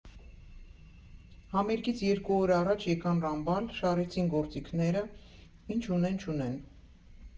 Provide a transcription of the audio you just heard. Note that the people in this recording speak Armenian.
Համերգից երկու օր առաջ եկան Ռամբալ, շարեցին գործիքները՝ ինչ ունեն֊չունեն։